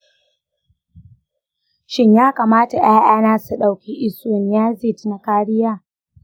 shin ya kamata ƴaƴana su ɗauki isoniazid na kariya?